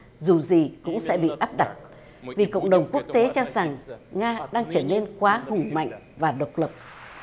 dù gì cũng sẽ bị áp đặt vì cộng đồng quốc tế cho rằng nga đang trở nên quá hùng mạnh và độc lập